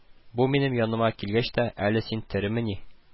Бу минем яныма килгәч тә: "Әле син теремени